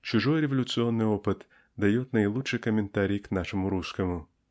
Чужой революционный опыт дает наилучший комментарий к нашему русскому.